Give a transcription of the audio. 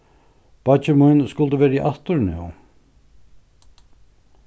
beiggi mín skuldi verið aftur nú